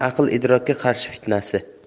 aql idrokka qarshi fitnasi